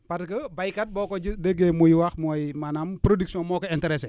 parce que béykat boo ko gi déggee muy wax mooy maanaam production am moo ko intéressé